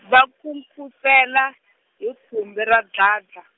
va nkhunkhusela, hi khumbi ra dladla.